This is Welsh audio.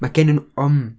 Mae genna nw- om-